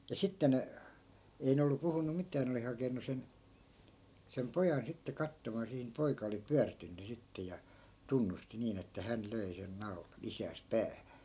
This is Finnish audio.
ja sitten ne ei ne ollut puhunut mitään ne oli hakenut sen sen pojan sitten katsomaan siihen niin poika oli pyörtynyt sitten ja tunnusti niin että hän löi sen naulan isäänsä päähän